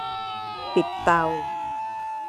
ปิดเตา